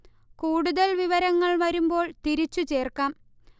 കൂടുതൽ വിവരങ്ങൾ വരുമ്പോൾ തിരിച്ചു ചേർക്കാം